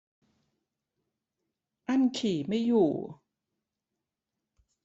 อั้นฉี่ไม่อยู่